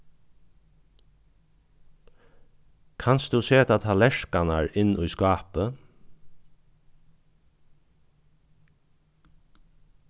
kanst tú seta tallerkarnar inn í skápið